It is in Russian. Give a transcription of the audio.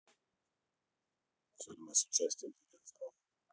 фильмы с участием зеленского